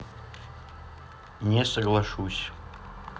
не соглашусь